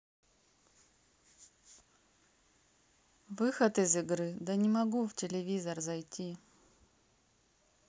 выход из игры да не могу в телевизор зайти